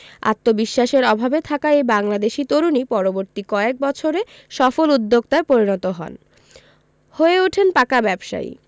আত্মবিশ্বাসের অভাবে থাকা এই বাংলাদেশি তরুণই পরবর্তী কয়েক বছরে সফল উদ্যোক্তায় পরিণত হন হয়ে ওঠেন পাকা ব্যবসায়ী